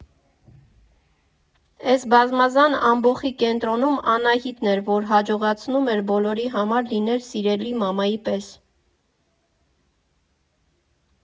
Էս բազմազան ամբոխի կենտրոնում Անահիտն էր, որ հաջողացնում էր բոլորի համար լինել սիրելի մամայի պես.